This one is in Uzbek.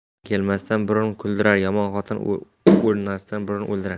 yaxshi xotin kelmasdan burun kuldirar yomon xotin o'hnasdan burun o'ldirar